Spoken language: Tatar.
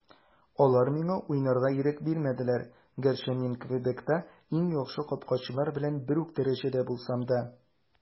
Алар миңа уйнарга ирек бирмәделәр, гәрчә мин Квебекта иң яхшы капкачылар белән бер үк дәрәҗәдә булсам да.